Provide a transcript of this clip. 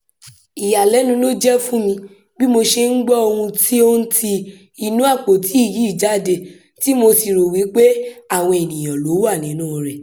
Ìyàlẹ́nu ló jẹ́ fún mi bí mo ṣe ń gbọ́ ohùn tí ó ń ti inúu "àpótí" yìí jáde tí mo sì rò wípé àwọn èèyàn ló wà nínúu rẹ̀.